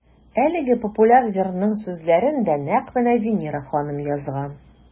Әлеге популяр җырның сүзләрен дә нәкъ менә Винера ханым язган.